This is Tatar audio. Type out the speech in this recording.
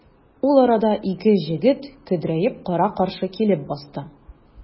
Ул арада ике җегет көдрәеп кара-каршы килеп басты.